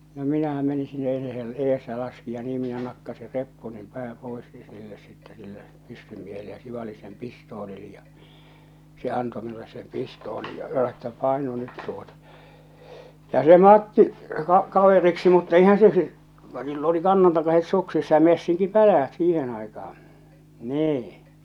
no minähän menin sinne ei se -- ja laski ja niin minä nakkasin reppuni pään pois niin sille sitten sille pyssymiehelle ja sivalsin sen pistoolilla ja se antoi minulle sen pistoolin ja sanoi että painu nyt tuota ja se Matti - kaveriksi mutta eihän se sillä - sillä oli kannantakaiset suksissa ja messinkikäpälät siihen aikaan niin